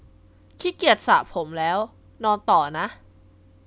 ขี้เกียจสระผมแล้วนอนต่อนะ